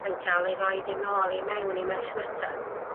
yn ca'l eu roid yn ôl i mewn i merchnata.